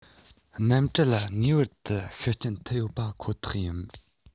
གནམ གྲུ ལ ངེས པར དུ ཤུགས རྐྱེན ཐེབས ཡོད པ ཁོ ཐག ཡིན